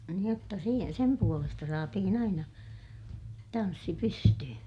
niin jotta - sen puolesta saatiin aina tanssi pystyyn